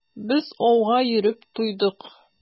Без ауга йөреп туйдык.